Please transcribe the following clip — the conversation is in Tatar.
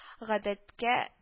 Гадәткә